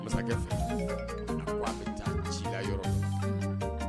Masakɛ